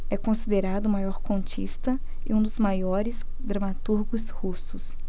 é considerado o maior contista e um dos maiores dramaturgos russos